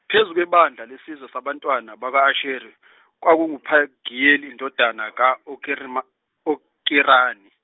phezu kwebandla lesizwe sabantwana bakwa-Asheri kwakunguPagiyeli indodana ka-Okirima- Okirani.